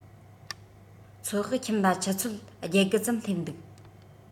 ཚོད དཔག ཁྱིམ ལ ཆུ ཚོད བརྒྱད དགུ ཙམ སླེབས འདུག